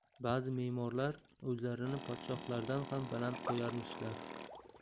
bazi memorlar o'zlarini podshohlardan ham baland qo'yarmishlar